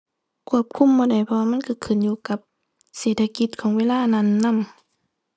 ควบคุมบ่ได้ เพราะว่ามันก็ขึ้นอยู่กับเศรษฐกิจของเวลานั้นนำ